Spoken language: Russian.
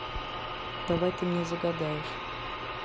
давай ты мне загадаешь